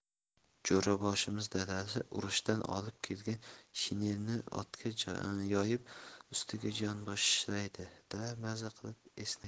jo'raboshimiz dadasi urushdan olib kelgan shinelni o'tga yoyib ustiga yonboshlaydi da maza qilib esnaydi